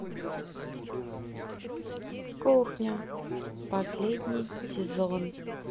кухня последний сезон